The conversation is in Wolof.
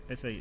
eskay